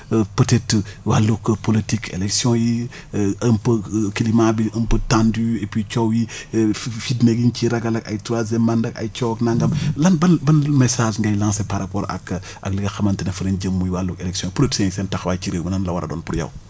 peut être wàllug politique élections yi un peu climat bi un peu tendu et coow yi fitna gi ñu ciy ragal ak ak troisième mandat ay coow ak nangam lan ban ban message ngay lancé par rapport ak ak li nga xamante ne fa lañ jëm muy wàllu élection politiciens yi seen taxawaay ci réew mi nan la war a doon pour yow